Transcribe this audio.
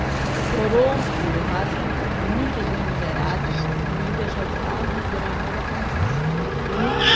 por outro lado muitos remunerados ainda jogavam por amor à camisa